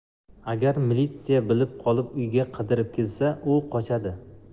agar militsiya bilib qolib uyga qidirib kelsa u qochadi